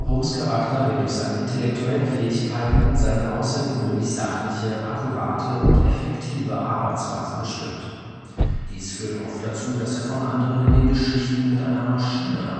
Holmes’ Charakter wird durch seine intellektuellen Fähigkeiten und seine außergewöhnlich sachliche, akkurate und effektive Arbeitsweise bestimmt. Dies führte oft dazu, dass er von anderen in den Geschichten mit einer Maschine